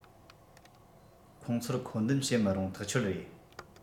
ཁོང ཚོར མཁོ འདོན བྱེད མི རུང ཐག ཆོད རེད